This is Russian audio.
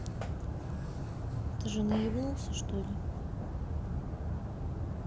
ты же наебнулся что ли